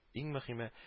Иң мөһиме